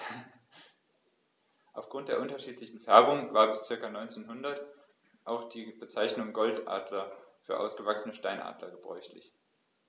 Auf Grund der unterschiedlichen Färbung war bis ca. 1900 auch die Bezeichnung Goldadler für ausgewachsene Steinadler gebräuchlich.